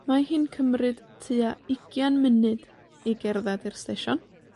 Mae hi'n cymryd tua ugian munud i gerdded i'r stesion.